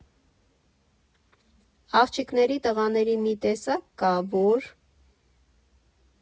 Աղջիկների տղաների մի տեսակ կա, որ.